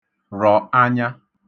rọ anya